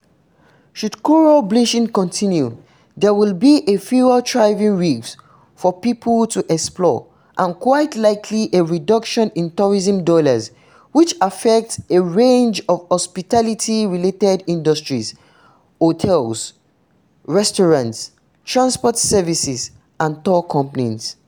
Should coral bleaching continue, there will be fewer thriving reefs for people to explore and quite likely, a reduction in tourism dollars, which affects a range of hospitality-related industries: hotels, restaurants, transport services and tour companies.